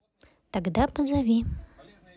тогда позови